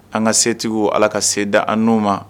An ka setigiw, Ala ka se di an n'u ma.